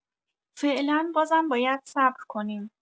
فعلا بازم باید صبر کنیم.